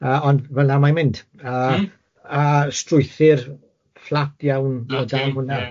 Yy ond fel'na mae'n mynd a a strwythur fflat iawn... Na ti. ...o dan hwnna.